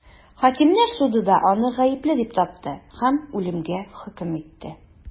Хакимнәр суды да аны гаепле дип тапты һәм үлемгә хөкем итте.